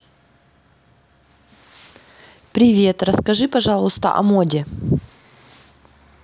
привет расскажи пожалуйста о моде